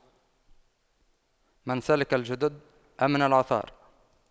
من سلك الجدد أمن العثار